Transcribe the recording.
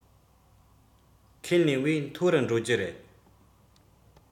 ཁས ལེན བས མཐོ རུ འགྲོ རྒྱུ རེད